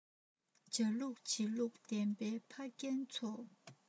བྱ ལུགས བྱེད ལུགས ལྡན པའི ཕ རྒན ཚོ